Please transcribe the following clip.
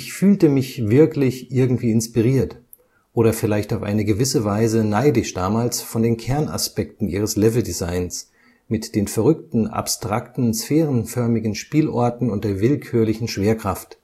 fühlte mich wirklich irgendwie inspiriert – oder vielleicht auf eine gewisse Weise neidisch damals – von den Kernaspekten ihres Leveldesigns, mit den verrückten, abstrakten sphärenförmigen Spielorten und der willkürlichen Schwerkraft